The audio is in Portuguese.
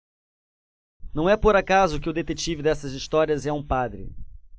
não é por acaso que o detetive dessas histórias é um padre